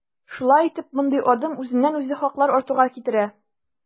Шулай итеп, мондый адым үзеннән-үзе хаклар артуга китерә.